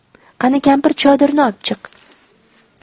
qani kampir chodirni opchiq